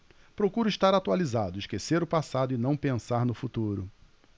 procuro estar atualizado esquecer o passado e não pensar no futuro